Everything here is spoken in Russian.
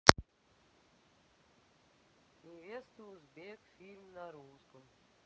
невеста узбек фильм на русском